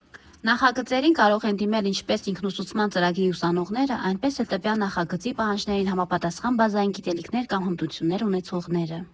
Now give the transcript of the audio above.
Նախագծերին կարող են դիմել ինչպես ինքնուսուցման ծրագրի ուսանողները, այնպես էլ տվյալ նախագծի պահանջներին համապատասխան բազային գիտելիքներ կամ հմտություններ ունեցողները։